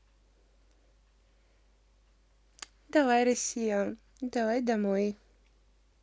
давай россия давай домой